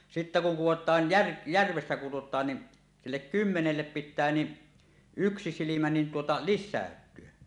sitten kun kudotaan - järvessä kudotaan niin sille kymmenelle pitää niin yksi silmä niin tuota lisääntyä